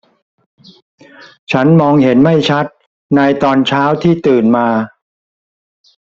ฉันมองเห็นไม่ชัดในตอนเช้าที่ตื่นมา